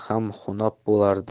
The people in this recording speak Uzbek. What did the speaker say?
ham xunob bo'lardim